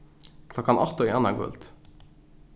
klokkan átta í annaðkvøld